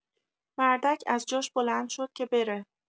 مردک از جاش بلند شد که بره